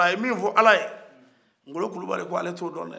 a ye min fɔ ala ye ngolo kulibali ko ale tɛ o dɔn dɛɛ